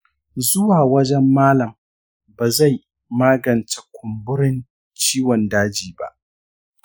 zuwa wajen malam bazai magance kumburin ciwon daji ba.